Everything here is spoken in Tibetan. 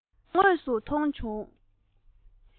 ཞོགས པ དངོས སུ མཐོང བྱུང